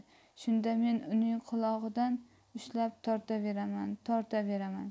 shunda men uning qulog'idan ushlab tortaveraman tortaveraman